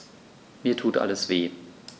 Mir tut alles weh.